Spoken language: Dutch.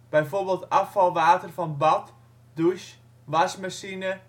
bijvoorbeeld afvalwater van bad, douche, wastafel en wasmachine